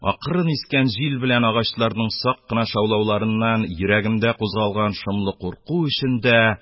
Акрын искән җил белән агачларның сак кына шаулауларыннан йөрәгемдә кузгалган шомлы курку эчендә